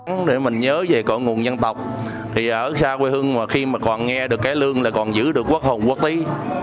ăn để mình nhớ về cội nguồn dân tộc thì ở xa quê hương mà khi mà còn nghe được cải lương là còn giữ được quốc hồn quốc túy